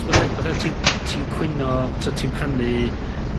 ...fatha fatha ti'n ti'n cwyno, t'o' ti'n prynu